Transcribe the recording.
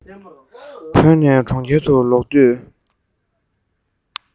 བོད ནས གྲོང ཁྱེར དུ ལོག དུས